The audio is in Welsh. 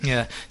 Ie.